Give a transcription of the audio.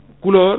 couleur